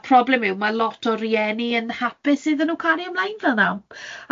A problem yw, mae lot o rieni yn hapus iddyn nhw cario ymlaen fel 'na.